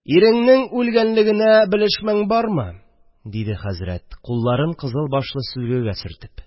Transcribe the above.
– иреңнең үлгәнлегенә белешмәң бармы? – диде хәзрәт, кулларын кызыл башлы сөлгегә сөртеп